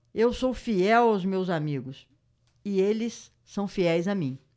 eu sou fiel aos meus amigos e eles são fiéis a mim